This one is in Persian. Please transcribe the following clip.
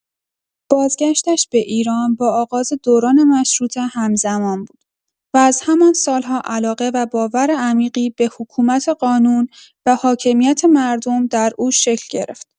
بازگشتش به ایران با آغاز دوران مشروطه همزمان بود و از همان سال‌ها علاقه و باور عمیقی به حکومت قانون و حاکمیت مردم در او شکل گرفت.